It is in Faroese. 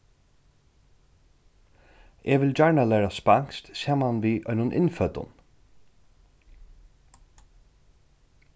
eg vil gjarna læra spanskt saman við einum innføddum